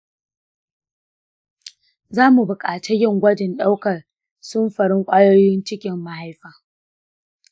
za mu buƙaci yin gwajin ɗaukar samfurin ƙwayoyin cikin mahaifa.